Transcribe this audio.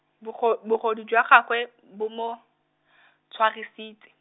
bogo-, bogodu jwa gagwe, bo mo , tshwarisitse.